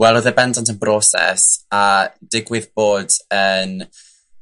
Wel odd e bendant yn broses, a digwydd bod yn